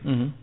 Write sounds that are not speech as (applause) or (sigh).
(hesitation) (hesitation)